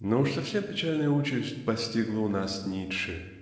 Но уж совсем печальная участь постигла у нас Ницше.